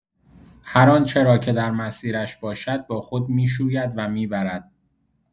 هر آنچه را که در مسیرش باشد، با خود می‌شوید و می‌برد.